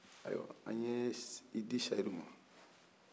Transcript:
ayi wa an yi di sɛyidu ma